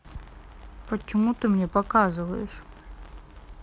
почему ты мне показываешь